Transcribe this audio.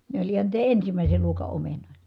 ne oli ihan niitä ensimmäisen luokan omenoita